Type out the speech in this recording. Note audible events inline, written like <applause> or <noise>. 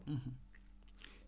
<hesitation> <hesitation>